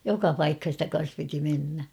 joka paikkaan sitä kanssa piti mennä